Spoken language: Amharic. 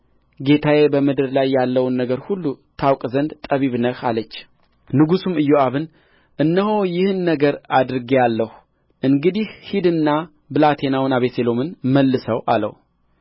ጌታዬ በምድር ላይ ያለውን ነገር ሁሉ ታውቅ ዘንድ ጠቢብ ነህ አለች ጉሡም ኢዮአብን እነሆ ይህን ነገር አድርጌአለሁ እንግዲህ ሂድና ብላቴናውን አቤሴሎምን መልሰው አለው